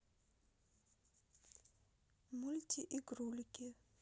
мульти игрульки